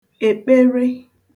èkpere